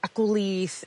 a gwlith